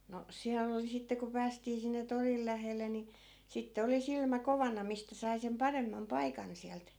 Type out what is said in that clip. no siellä oli sitten kun päästiin sinne torille lähelle niin sitten oli silmä kovana mistä sai sen paremman paikan sieltä